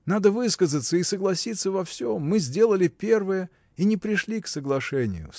Надо высказаться и согласиться во всем: мы сделали первое и не пришли к соглашению